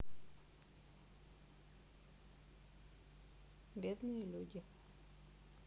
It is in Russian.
бедные люди